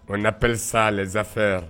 O napire sa safɛn yan